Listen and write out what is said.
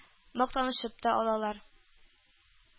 Мактанышып та алалар...